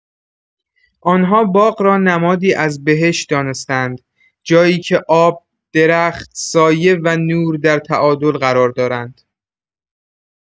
آن‌ها باغ را نمادی از بهشت دانسته‌اند، جایی که آب، درخت، سایه و نور در تعادل قرار دارند.